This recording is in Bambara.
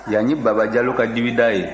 yan ye baba jalo ka dibida ye